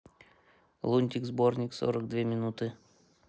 лунтик сборник сорок две минуты